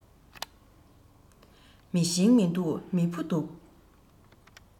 མེ ཤིང མི འདུག མེ ཕུ འདུག